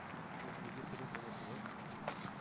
Үз милли телен онытуы,